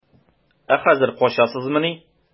Ә хәзер качасызмыни?